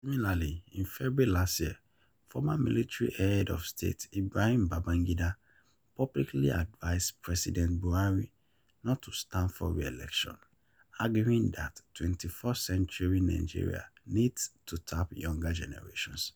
Similarly, in February last year, former military head of state Ibrahim Babangida publicly advised President Buhari not to stand for re-election, arguing that 21st century Nigeria needs to tap younger generations.